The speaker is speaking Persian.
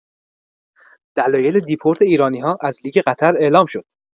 دلایل دیپورت ایرانی‌‌ها از لیگ قطر اعلام شد.